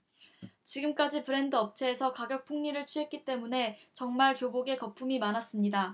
지금까지 브랜드 업체에서 가격폭리를 취했기 때문에 정말 교복에 거품이 많았습니다